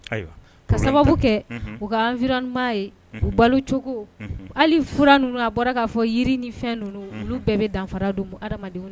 Ayiwa ka sababu kɛ u ka an ye balocogo hali fura a bɔra k'a fɔ yiri ni fɛn ninnu olu bɛɛ bɛ danfara don adamadamadenw